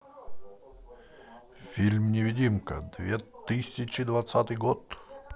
фильм невидимка две тысячи двадцатый год